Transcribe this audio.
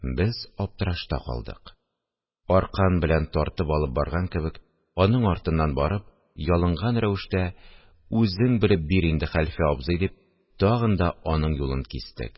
Без аптырашта калдык, аркан белән тартып алып барган кебек, аның артыннан барып, ялынган рәвештә: – Үзең белеп бир инде, хәлфә абзый! – дип, тагын да аның юлын кистек